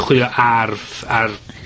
chwilio ar ar